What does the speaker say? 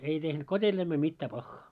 ei tehnyt kotieläimelle mitään pahaa